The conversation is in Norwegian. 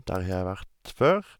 Der har jeg vært før.